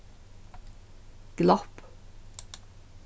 glopp